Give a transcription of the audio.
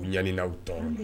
Ɲani'aw tɔ